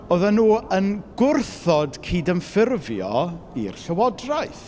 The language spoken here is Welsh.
Oedden nhw yn gwrthod cyd-ymffurfio i'r llywodraeth.